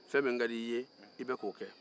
fɛn min ka d'i ye i bɛ k'o kɛ